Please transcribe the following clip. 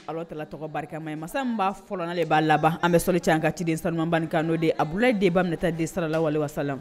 Ala taarala tɔgɔ barikama masaba fɔlɔn de b'a laban an bɛ sɔnli caman an katiden sabankan n' de abu deba minɛta den saralawale waasala